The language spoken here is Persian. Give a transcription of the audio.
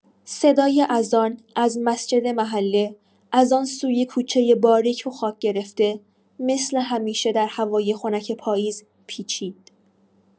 صدای اذان از مسجد محله، از آن سوی کوچۀ باریک و خاک‌گرفته، مثل همیشه در هوای خنک پاییز پیچید.